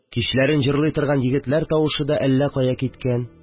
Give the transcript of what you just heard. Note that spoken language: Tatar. Кичләрен җырлый торган егетләр тавышы да әллә кая киткән